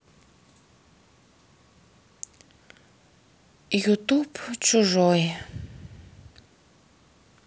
ютуб чужой